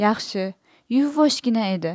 yaxshi yuvoshgina edi